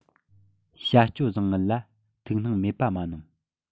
བྱ སྤྱོད བཟང ངན ལ ཐུགས སྣང མེད པ མ གནང